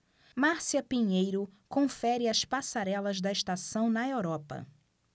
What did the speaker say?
márcia pinheiro confere as passarelas da estação na europa